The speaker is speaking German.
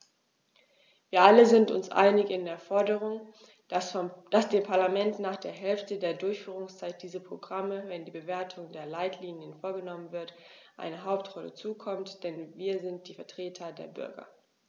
Wir alle sind uns einig in der Forderung, dass dem Parlament nach der Hälfte der Durchführungszeit dieser Programme, wenn die Bewertung der Leitlinien vorgenommen wird, eine Hauptrolle zukommt, denn wir sind die Vertreter der Bürger.